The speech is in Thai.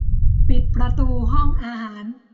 ปิดประตูห้องอาหาร